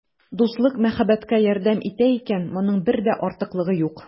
Дуслык мәхәббәткә ярдәм итә икән, моның бер дә артыклыгы юк.